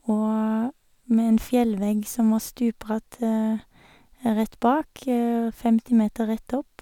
Og med en fjellvegg som var stupbratt rett bak, femti meter rett opp.